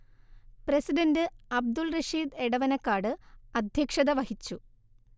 president Abdul Rasheed Edavanakkad അധ്യക്ഷത വഹിച്ചു